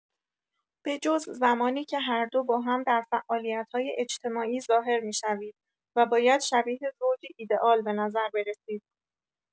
به‌جز زمانی که هر دو باهم در فعالیت‌های اجتماعی ظاهر می‌شوید و باید شبیه زوجی ایدآل به نظر برسید.